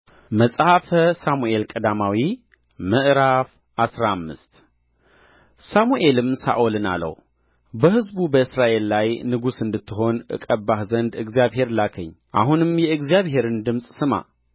መጽሐፈ ሳሙኤል ቀዳማዊ ምዕራፍ አስራ አምስት ሳሙኤልም ሳኦልን አለው በሕዝቡ በእስራኤል ላይ ንጉሥ እንድትሆን እቀባህ ዘንድ እግዚአብሔር ላከኝ አሁንም የእግዚአብሔርን ድምፅ ስማ